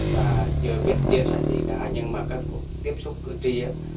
và chưa biết điện là gì cả nhưng mà các cuộc tiếp xúc cử tri á